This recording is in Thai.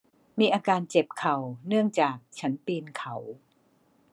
มีอาการเจ็บเข่าเนื่องจากฉันปืนเขา